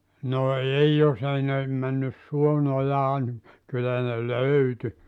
no ei jos ei ne mennyt suon ojaan niin kyllä ne löytyi